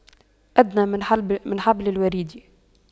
أدنى من حبل الوريد